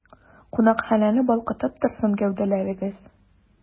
Кунакханәне балкытып торсын гәүдәләрегез!